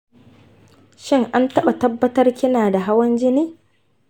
shin an taba tabbatar kina da hawan jini?